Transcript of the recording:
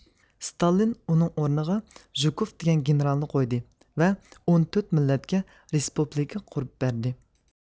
ستالىن ئۇنىڭ ئورنىغا ژۇكۇف دېگەن گېنېرالنى قويدى ۋە ئون تۆت مىللەتكە رېسپۇبلىكا قۇرۇپ بەردى